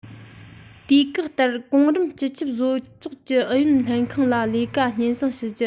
དུས བཀག ལྟར གོང རིམ སྤྱི ཁྱབ བཟོ ཚོགས ཀྱི ཨུ ཡོན ལྷན ཁང ལ ལས ཀ སྙན སེང ཞུ རྒྱུ